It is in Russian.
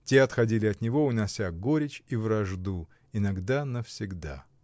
Те отходили от него, унося горечь и вражду, иногда навсегда.